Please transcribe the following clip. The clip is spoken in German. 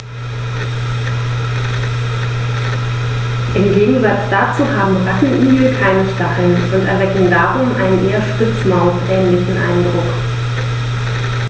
Im Gegensatz dazu haben Rattenigel keine Stacheln und erwecken darum einen eher Spitzmaus-ähnlichen Eindruck.